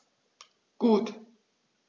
Gut.